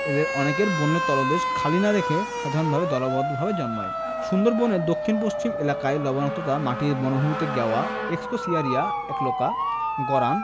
এদের অনেকেই বনের তলদেশ খালি না রেখে সাধারণত দলবদ্ধভাবে জন্মায় সুন্দরবনের দক্ষিণ পশ্চিম এলাকার লবণাক্ত পানির বনভূমিতে গেওয়া এক্সকোসিয়ারিয়া অ্যাগলোকা গরান